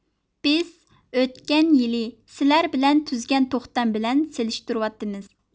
بىز ئۆتكەن يىلى سىلەر بىلەن تۈزگەن توختام بىلەن سېلىشتۇرۇۋاتىمىز